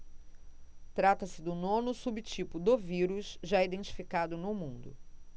trata-se do nono subtipo do vírus já identificado no mundo